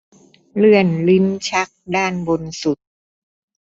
เลื่อนลิ้นชักด้านบนสุด